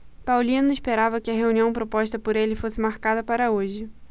paulino esperava que a reunião proposta por ele fosse marcada para hoje